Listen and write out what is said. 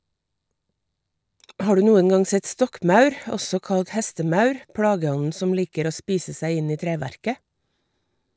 Har du noen gang sett stokkmaur, også kalt hestemaur, plageånden som liker å spise seg inn i treverket?